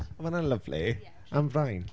Mae hwnna'n lyfli... Ie ...Am fraint.